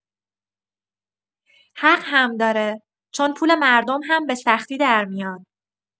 حق هم داره، چون پول مردم هم به‌سختی درمیاد.